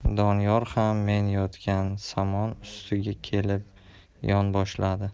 doniyor ham men yotgan somon ustiga kelib yonboshladi